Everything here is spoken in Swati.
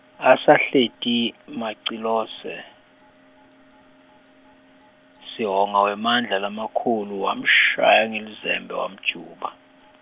Asahleti, Macilose, sihonga wemandla lamakhulu wamshaya ngelizembe wamjuba.